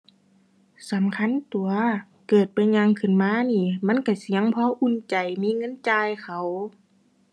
สำคัญตั่ว เกิดเป็นหยังขึ้นมานี่มันก็สิยังพออุ่นใจ มีเงินจ่ายเขา